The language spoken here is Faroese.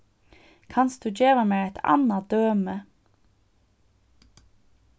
kanst tú geva mær eitt annað dømi